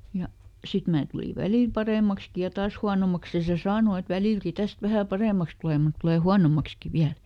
ja sitten minä tulin välillä paremmaksikin ja taas huonommaksi ja se sanoi että välilläkin tästä vähän paremmaksi tulee mutta tulee huonommaksikin vielä